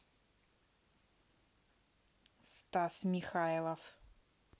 стас михайлов